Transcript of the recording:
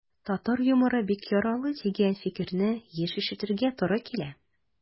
Татар юморы бик ярлы, дигән фикерне еш ишетергә туры килә.